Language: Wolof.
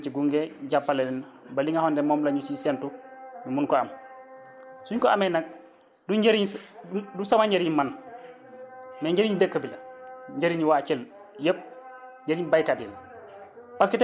dinañ leen si gunge jàppale leen ba li nga xamante ne moom la ñu si séentu ñu mun ko am suñ ko amee nag du njëriñ du du sama njëriñ man mais njëriñ dëkk bi la njëriñu waa Thiel yëpp njëriñ béykat yi la